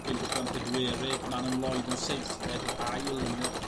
yn gwpla'n pedwerydd Manon Lloyd yn seithfed yr ail yn y